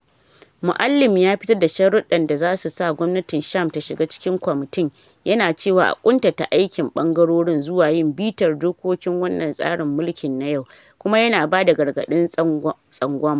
Moualem ya fitar da sharruɗan da zasu sa gwamnatin Sham ta shiga cikin kwamitin, yana cewa a kuntata aikin bangarorin “zuwa yin bitar dokokin wannan tsarin mulkin na yau,” kuma yana bada gargaɗin tsangwama.